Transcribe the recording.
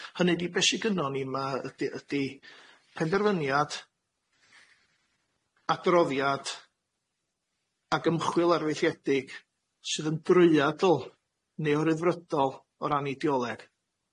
Hynny ydi, be' sy gynnon ni yma ydi ydi penderfyniad, adroddiad, ag ymchwil arfaethiedig sydd yn drwyadl neo-ryddfrydol o ran ideoleg,